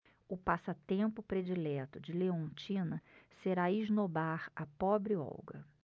o passatempo predileto de leontina será esnobar a pobre olga